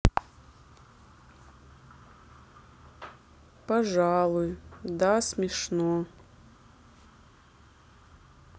пожалуй да смешно